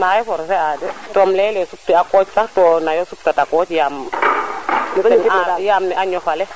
maxey forcer a de tom leyele supti a kooc sax to nayo suptato kooc yaam a ñofale